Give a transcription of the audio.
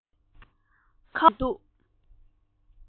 ཁ བ འབབ རབས མི འདུག